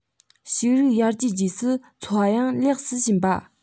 ཕྱུགས རིགས ཡར རྒྱས རྗེས སུ འཚོ བ ཡང ལེགས སུ ཕྱིན པ